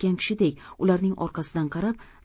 yo'qotgan kishidek ularning orqasidan qarab